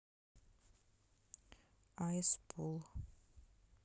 айс пул